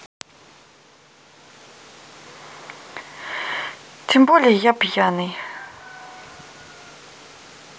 тем более я пьяный